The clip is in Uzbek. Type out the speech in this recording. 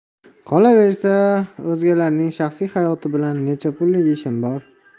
qolaversa o'zgalarning shaxsiy hayoti bilan necha pullik ishim bor